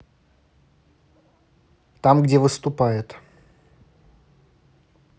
там где выступает